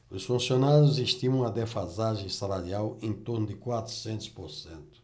os funcionários estimam uma defasagem salarial em torno de quatrocentos por cento